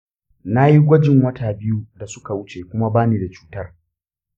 nayi gwajin wata biyu da suka wuce kuma bani da cutar.